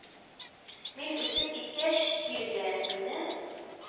Мин үсеп иткәч, кирегә, мине